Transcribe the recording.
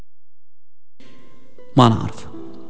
ما اعرف